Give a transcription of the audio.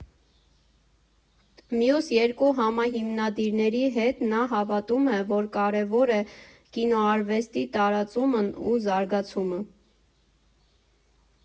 Մյուս երկու համահիմնադիրների հետ նա հավատում է, որ կարևոր է կինորարվեստի տարածումն ու զարգացումը։